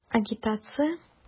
Агитация?!